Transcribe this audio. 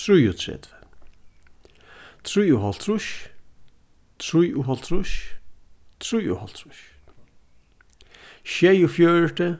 trýogtretivu trýoghálvtrýss trýoghálvtrýss trýoghálvtrýss sjeyogfjøruti